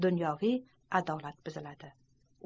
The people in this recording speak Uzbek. dunyoviy adolat buziladi